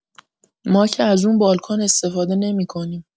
ما که از اون بالکن استفاده نمی‌کنیم.